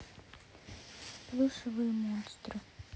плюшевые монстры